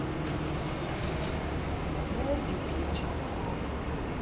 молди пичес